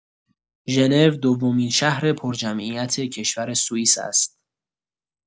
ژنو دومین شهر پرجمعیت کشور سوئیس است.